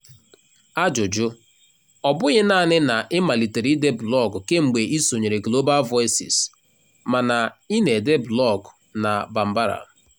Ajụjụ: Ọ bụghị naanị na ị malitere ịde blọọgụ kemgbe ị sonyere Global Voices, mana ị na-ede blọọgụ na Bambara!